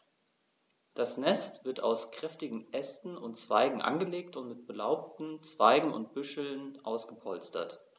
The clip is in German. Das Nest wird aus kräftigen Ästen und Zweigen angelegt und mit belaubten Zweigen und Büscheln ausgepolstert.